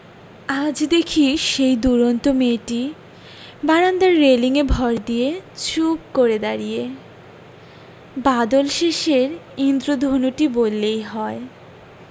আজ দেখি সেই দূরন্ত মেয়েটি বারান্দায় রেলিঙে ভর দিয়ে চুপ করে দাঁড়িয়ে বাদলশেষের ঈন্দ্রধনুটি বললেই হয়